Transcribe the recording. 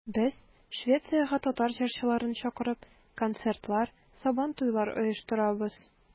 Без, Швециягә татар җырчыларын чакырып, концертлар, Сабантуйлар оештырабыз.